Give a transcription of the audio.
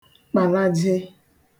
kpàlaje